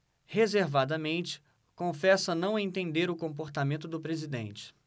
reservadamente confessa não entender o comportamento do presidente